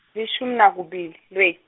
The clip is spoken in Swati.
lishumi nakubili lwe.